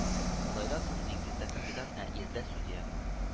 Ходайдан соң, диңгездә капитан, ә ирдә судья